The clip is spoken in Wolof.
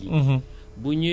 te daañu continuer